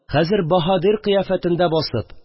Хәзер баһадир кыяфәтендә басып